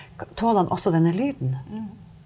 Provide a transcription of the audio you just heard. tåler han også denne lyden?